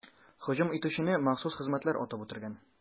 Һөҗүм итүчене махсус хезмәтләр атып үтергән.